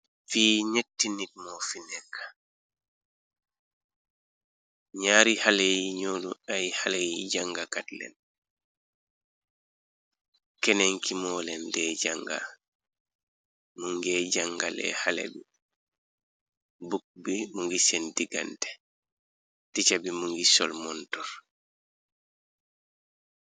Fi ñekti nit moo fi nekka ñaari xale yi ñoolu ay xale yi jàngakat leen kenen ki mooleen dee janga mu ngee jàngale xale bi bukk bi mu ngi seen digante tica bi mu ngi sol montor.